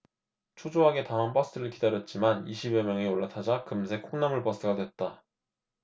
초조하게 다음 버스를 기다렸지만 이십 여 명이 올라타자 금세 콩나물 버스가 됐다